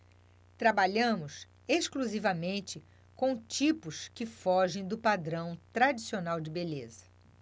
trabalhamos exclusivamente com tipos que fogem do padrão tradicional de beleza